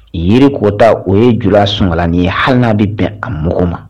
Yiri kota o ye ju skalannin ye hali n bɛ bɛn a mɔgɔw ma